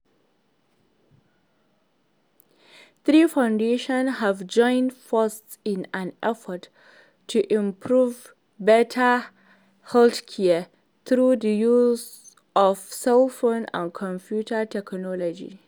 Three foundations have joined forces in an effort to provide better healthcare through the use of cell phones and computer technology.